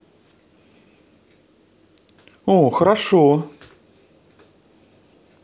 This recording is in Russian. о хорошо